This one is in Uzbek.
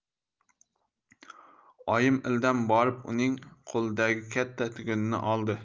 oyim ildam borib uning qo'lidagi katta tugunni oldi